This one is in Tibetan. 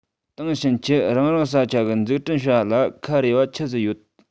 དེང ཕྱིན ཆད རང རང ས ཆ གི འཛུགས སྐྲུན བྱ བ ལ ཁ རེ བ ཆི ཟིག ཡོད